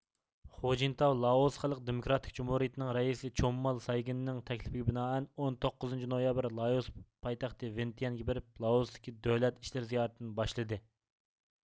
خۇجىنتاۋ لائوس خەلق دېموكراتىك جۇمھۇرىيىتىنىڭ رەئىسى چوممال سايگىننىڭ تەكلىپىگە بىنائەن ئون توققۇزىنچى نويابىر لائوس پايتەختى ۋىنتىيەنگە بېرىپ لائوستىكى دۆلەت ئىشلىرى زىيارىتىنى باشلىدى